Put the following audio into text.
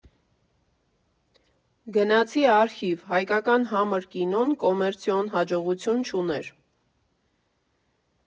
Գնացի արխիվ՝ հայկական համր կինոն կոմերցիոն հաջողություն չուներ։